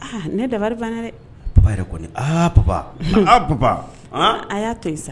Ne dabali ban dɛ baba yɛrɛ ko aa baba baba a y'a to sa